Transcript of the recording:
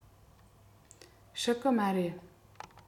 སྲིད གི མ རེད